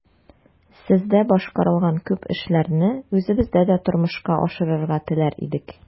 Сездә башкарылган күп эшләрне үзебездә дә тормышка ашырырга теләр идек.